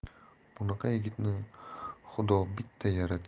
bunaqa yigitni xudo bitta